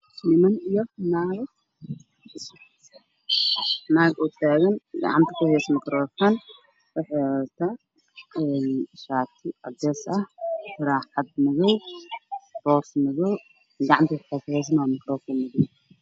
Niman iyo naago naag taagan gacanta ku wadato ma karoofan